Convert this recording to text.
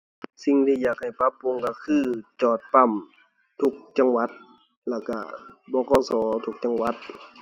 สิ่งที่อยากให้ปรับปรุงก็คือ จอดปั๊มทุกจังหวัด แล้วก็ บขส. ทุกจังหวัด